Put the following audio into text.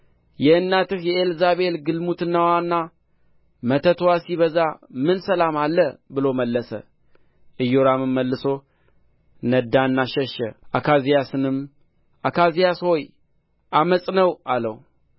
የእናትህ የኤልዛቤል ግልሙትናዋና መተትዋ ሲበዛ ምን ሰላም አለ ብሎ መለሰ ኢዮራምም መልሶ ነዳና ሸሸ አካዝያስንም አካዝያስ ሆይ ዓመፅ ነው አለው